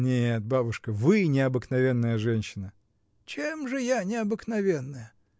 — Нет, бабушка: вы необыкновенная женщина. — Чем же я необыкновенная?